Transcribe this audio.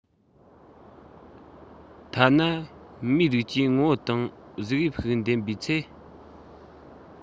ཐ ན མིའི རིགས ཀྱིས ངོ བོ དང གཟུགས དབྱིབས ཤིག འདེམས པའི ཚེ